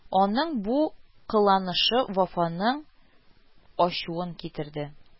Аның бу кыланышы Вафаның ачуын китерде: